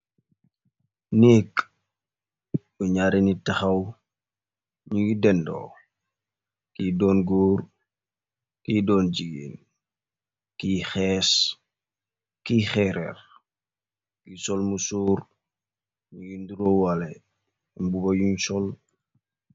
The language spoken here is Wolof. Neek bu ñaaree nit taxaw ñuy dendoo kiy doon goor kiy doon jigeen kiy xees kiy xeereef giy solmu sóor ñuy nduroowale mbuba yu sol.